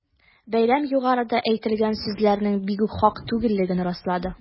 Бәйрәм югарыда әйтелгән сүзләрнең бигүк хак түгеллеген раслады.